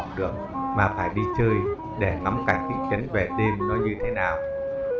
mà phải đi chơi để ngắm cảnh thị trấn về đêm nó như thế nào